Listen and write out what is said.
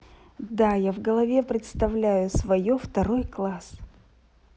да я в голове представляю свое второй класс